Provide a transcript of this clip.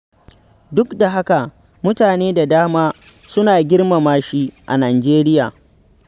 Duk da haka, mutane da dama suna girmama shi a Nijeriya